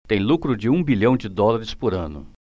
tem lucro de um bilhão de dólares por ano